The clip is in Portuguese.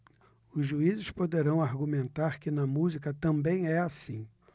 os juízes poderão argumentar que na música também é assim